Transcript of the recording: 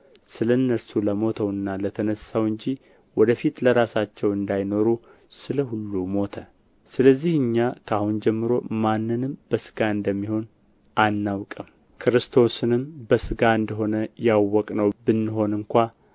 ስለ እነርሱ ለሞተውና ለተነሣው እንጂ ወደ ፊት ለራሳቸው እንዳይኖሩ ስለ ሁሉ ሞተ ስለዚህ እኛ ከአሁን ጀምሮ ማንንም በሥጋ እንደሚሆን አናውቅም ክርስቶስንም በሥጋ እንደ ሆነ ያወቅነው ብንሆን እንኳ